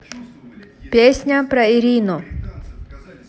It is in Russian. песня про ирину